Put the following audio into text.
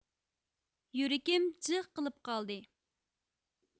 يۈرىكىم جىف قىلىپ قالدى